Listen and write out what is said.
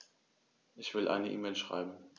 Ich will eine E-Mail schreiben.